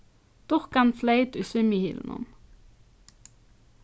dukkan fleyt í svimjihylinum